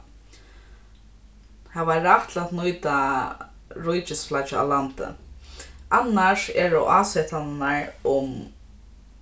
hava rætt til at nýta ríkisflaggið á landi annars eru ásetanirnar um